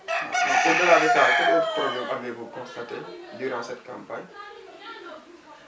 donc au delà de ça quel autre projet avez vous constaté durant cette campagne